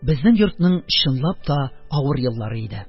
Безнең йортның, чынлап та, авыр еллары иде.